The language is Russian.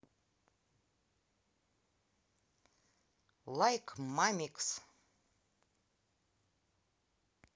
лайк мамикс